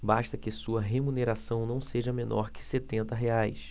basta que sua remuneração não seja menor que setenta reais